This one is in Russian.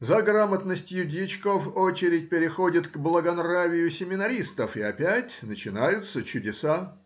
За грамотностью дьячков очередь переходит к благонравию семинаристов, и опять начинаются чудеса.